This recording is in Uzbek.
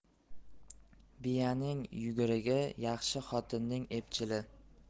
biyaning yugurigi yaxshi xotinning epchili